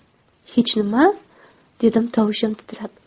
hech nima dedim tovushim titrab